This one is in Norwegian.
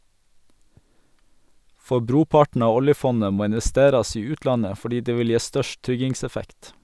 For brorparten av oljefondet må investerast i utlandet fordi det vil gje størst tryggingseffekt.